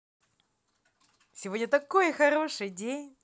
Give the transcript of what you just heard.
сегодня такой хороший день